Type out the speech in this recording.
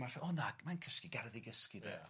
Ma' Arthur 'o na mae'n cysgu gad iddi gysgu' 'de... Ia...